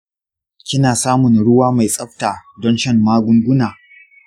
kina samun ruwa mai tsafta don shan magunguna?